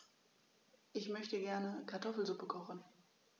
Ich möchte gerne Kartoffelsuppe kochen.